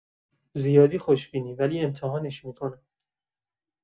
زیادی خوش‌بینی، ولی امتحانش می‌کنم.